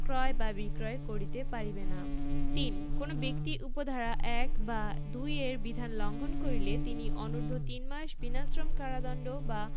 ক্রয় বা বিক্রয় করিতে পারিবে না ৩ কোন ব্যক্তি উপ ধারা ১ বা ২ এর বিধান লংঘন করিলে তিনি অনূর্ধ্ব তিনমাস বিনাশ্রম কারাদন্ড বা